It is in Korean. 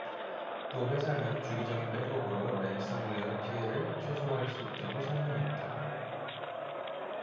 또 회사는 주기적인 백업으로 랜섬웨어 피해를 최소화 할 수 있다고 설명했다